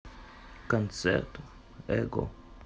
концерт эго